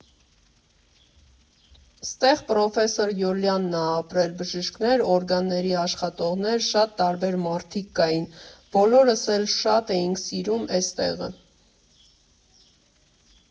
Ստեղ պրոֆեսոր Յոլյանն ա ապրել, բժիշկներ, օրգանների աշխատողներ, շատ տարբեր մարդիկ կային, բոլորս էլ շատ էինք սիրում էս տեղը։